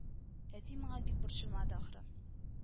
Әти моңа бик борчылмады ахры